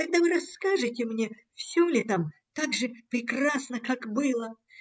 Тогда вы расскажете мне, все ли там так же прекрасно, как было.